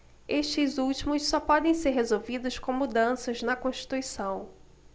estes últimos só podem ser resolvidos com mudanças na constituição